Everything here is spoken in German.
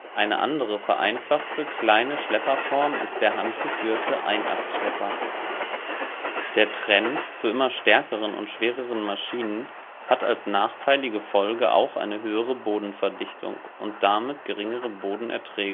Eine andere vereinfachte kleine Schlepperform ist der handgeführte Einachsschlepper. Der Trend zu immer stärkeren und schwereren Maschinen (höhere Zugkraft) hat als nachteilige Folge auch eine höhere Bodenverdichtung und damit geringere Bodenerträge